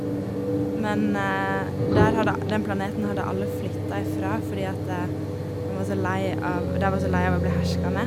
Men der hadde den planeten hadde alle flytta ifra fordi at han var så lei av De var så lei av å bli herska med.